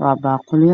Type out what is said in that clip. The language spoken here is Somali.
Waa baaquli